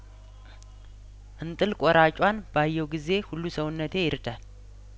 እንጥል ቆራጯን ባየሁ ጊዜ ሁሉ ሰውነቴ ይርዳል